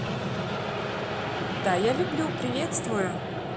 да я люблю приветствую